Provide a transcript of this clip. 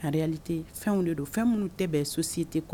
En réalité fɛnw de don fɛn minnu tɛ bɛn société _kɔnɔ.